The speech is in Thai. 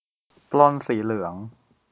ปล้นสีเหลือง